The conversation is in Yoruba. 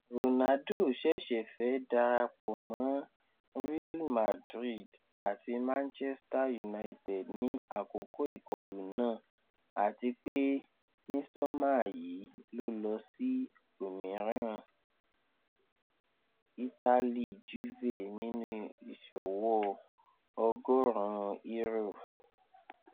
Ronaldo ṣẹ̀ṣẹ̀ fẹ́ darapọ̀ mọ́ Real Madrid láti Manchester United ni àkókò ìkọlù náà, àtipé ní sọ́mà yìí ló lọ sí òmìràn ìtálí Juve nínú ìṣòwò €100.